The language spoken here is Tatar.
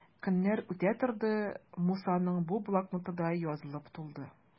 Көннәр үтә торды, Мусаның бу блокноты да язылып тулды.